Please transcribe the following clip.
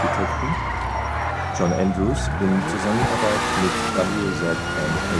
Der CN Tower [siːˈɛn ˌtaʊəɹ